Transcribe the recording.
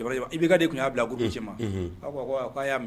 ' bila ko ci ma'a